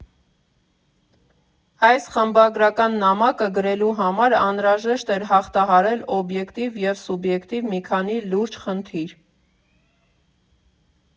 Այս խմբագրական նամակը գրելու համար անհրաժեշտ էր հաղթահարել օբյեկտիվ և սուբյեկտիվ մի քանի լուրջ խնդիր։